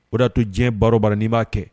O de y'a to diɲɛ baara o baara n'i b'a kɛ